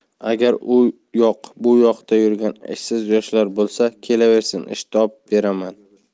agar u yoq bu yoqda yurgan ishsiz yoshlar bo'lsa kelaversin ish topib beraman